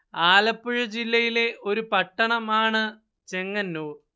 ആലപ്പുഴ ജില്ലയിലെ ഒരു പട്ടണം ആണ് ചെങ്ങന്നൂർ